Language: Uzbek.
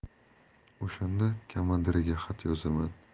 o'shanda kamandiriga xat yozaman